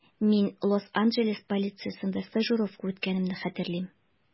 Мин Лос-Анджелес полициясендә стажировка үткәнемне хәтерлим.